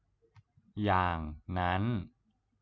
อย่างนั้น